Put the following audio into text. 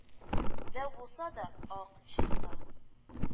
Дәү булса да, ак, чиста